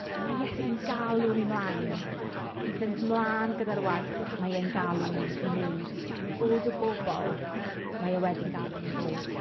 Ond ma' Iesu'n galw ni mlaen i fynd mlaen gyda'r waith mae e'n galw ni i wneud. I fod y bobl mae e wedi'n galw ni i fod.